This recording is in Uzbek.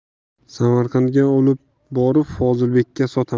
samarqandga olib borib fozilbekka sotamiz